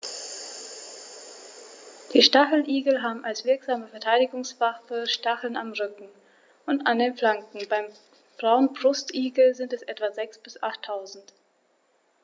Die Stacheligel haben als wirksame Verteidigungswaffe Stacheln am Rücken und an den Flanken (beim Braunbrustigel sind es etwa sechs- bis achttausend).